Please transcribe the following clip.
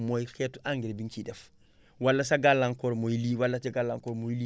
mooy xeetu engrais bi nga ciy def wala sa gàllankoor mooy lii wala sa gàllankoor mooy lii